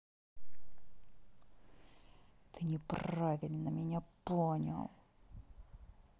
ты неправильно меня понял